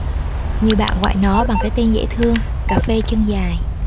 nhiều bạn gọi nó bằng cái tên dễ thương cà phê chân dài